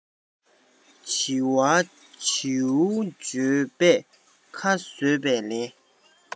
བྱི བ བྱིའུ འཇོལ པད ཁ ཟོས པས ལན